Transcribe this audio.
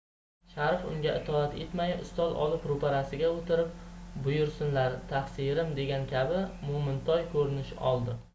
sharif unga itoat etmay ustol olib ro'parasiga o'tirib buyursinlar taqsirim degan kabi mo'mintoy ko'rinish oldi